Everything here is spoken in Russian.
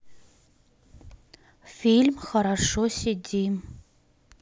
фильм хорошо сидим